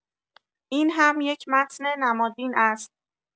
این هم یک متن نمادین است.